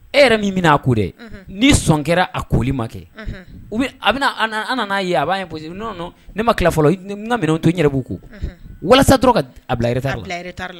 E yɛrɛ min bɛna a ko dɛ ni sɔn kɛra a koli ma kɛ a'a ye a b'a ye p n ne ma fɔlɔ ka minɛn to yɛrɛ bbugu ko walasa tora ka a bila yɛrɛ t' la la